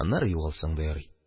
Аннары югалсаң да ярый.